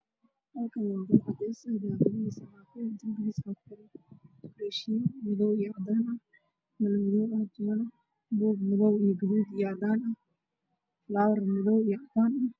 Beesha maxaa yeelay miis waxaana dul saaran labo boob muraayad powerkiisa waa caddaani madow waxay ka koreeya dhar madowe